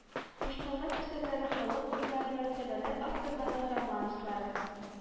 Башкарган әсәрләре халык ырлары мәртәбәле авторларның романслары